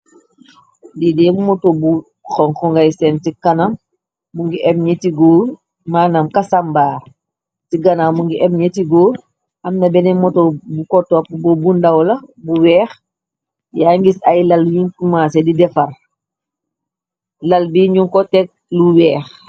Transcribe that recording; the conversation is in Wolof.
Di dee moto bu xonkongay seen ci kanam mu ngi eb ñyeti goor manam kasambaar ci gana mu ngi eb ñyeti goor amna bene moto bu ko topp bo bundawla bu weex yaa ngis ay lal yiñimase di defar lal bi ñu ko teg lu weex.